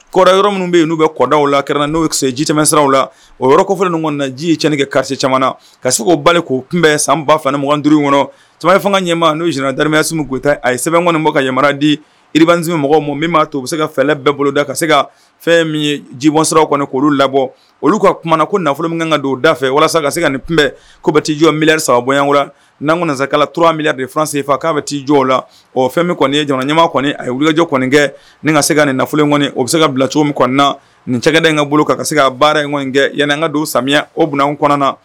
Kɔrɔ yɔrɔ minnu bɛ yen'u bɛ kɔdaw la kɛrarɛn n'o sen ji tɛmɛnsiraraw la o yɔrɔfilen ninnu na ji ye tiɲɛn kɛ kari caman ka se k o bali k'o kunbɛn san 2 fana0 d duuru in kɔnɔ sama fanga ɲɛma n'u jna dameyasisiw guta a ye sɛbɛn bɔ ka yamanara di ibansiw mɔgɔ ma min b'a to u bɛ se ka fɛlɛ bɛɛ boloda ka se ka fɛn min ye jibɔn siraraww kɔni k' oluolu labɔ olu ka kuma na ko nafolo min kan don u da fɛ walasa ka se ka nin kunbɛn kobati jɔ miri saba bɔykura n' kɔnɔsa tura min de fansenefa k'a bɛ cii jɔ o la o fɛn min kɔni ye jan ɲɛma kɔni a ye wuliyajɔ kɔni kɛ ni ka se ka nin nafolo in kɔni o bɛ se ka bila cogo min kɔnɔna nin cɛda in ka bolo ka ka se ka baara in kɔni kɛ yanka don samiya o bana kɔnɔna na